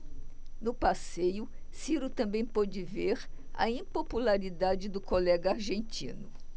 no passeio ciro também pôde ver a impopularidade do colega argentino